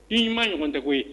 I ni ma ɲɔgɔn tɛ koyi